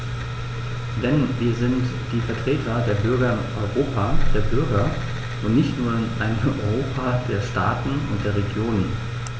Denn wir sind die Vertreter der Bürger im Europa der Bürger und nicht nur in einem Europa der Staaten und der Regionen.